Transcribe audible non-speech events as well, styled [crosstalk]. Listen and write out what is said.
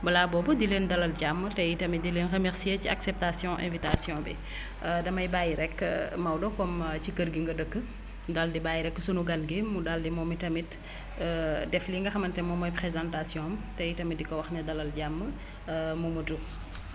balaa boobu di leen dalal jàmm te itamit di leen remercier ci acceptation invitation :frabi [breath] [hesitation] damay bàyyi rekk [hesitation] Maodo comme [hesitation] ci kër gi nga dëkk daal di bàyyi rekk sunu gan gi mu daal di moom itamit [breath] [hesitation] def li nga xamante ni moom mooy présentation bi te itamit di ko wax mu dalal jàmm [hesitation] Momadou